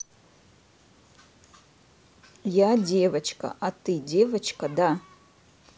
я девочка а ты девочка да